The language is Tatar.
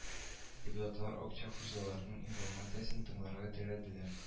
Депутатлар акча хуҗаларының информациясен тыңларга теләделәр